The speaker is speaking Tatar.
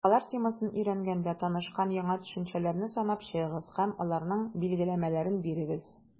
«елгалар» темасын өйрәнгәндә танышкан яңа төшенчәләрне санап чыгыгыз һәм аларның билгеләмәләрен бирегез.